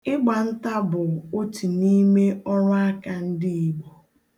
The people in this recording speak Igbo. Ịgba nta bụ otu n'ime ọrụ aka ndị Igbo.